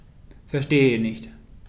Verstehe nicht.